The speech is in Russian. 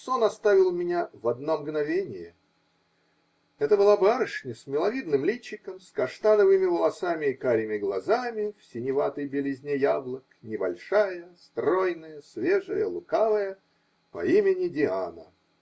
Сон оставил меня в одно мгновение: это была барышня с миловидным личиком, с каштановыми волосами и карими глазами в синеватой белизне яблок, небольшая, стройная, свежая, лукавая, по имени Диана.